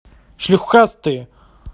шлюхастые